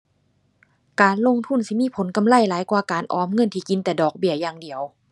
การลงทุนสิมีผลกำไรหลายกว่าการออมเงินที่กินแต่ดอกเบี้ยอย่างเดียว